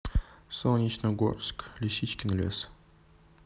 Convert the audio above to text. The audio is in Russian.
солнечногорск лисичкин лес